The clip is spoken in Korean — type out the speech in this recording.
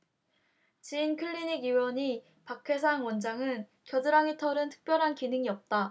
지인클리닉의원의 박해상 원장은 겨드랑이 털은 특별한 기능이 없다